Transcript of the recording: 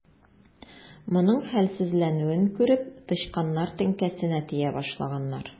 Моның хәлсезләнүен күреп, тычканнар теңкәсенә тия башлаганнар.